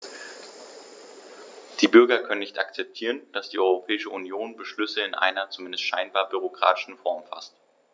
Die Bürger können nicht akzeptieren, dass die Europäische Union Beschlüsse in einer, zumindest scheinbar, bürokratischen Form faßt.